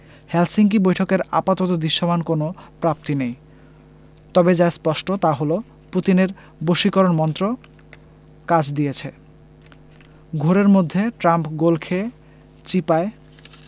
Helsinki বৈঠকের আপাতত দৃশ্যমান কোনো প্রাপ্তি নেই তবে যা স্পষ্ট তা হলো পুতিনের বশীকরণ মন্ত্র কাজ দিয়েছে ঘোরের মধ্যে ট্রাম্প গোল খেয়ে চিপায়